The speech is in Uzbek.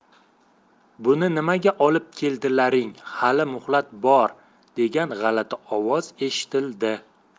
buni nimaga olib keldilaring hali muhlat bor degan g'alati ovoz eshitildi